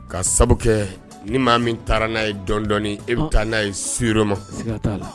K'a sababu kɛ ni maa min taara n'a ye dɔɔnin-dɔɔnin e bɛ taa n'a ye surement